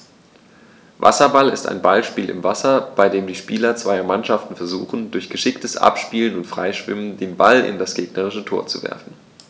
Wasserball ist ein Ballspiel im Wasser, bei dem die Spieler zweier Mannschaften versuchen, durch geschicktes Abspielen und Freischwimmen den Ball in das gegnerische Tor zu werfen.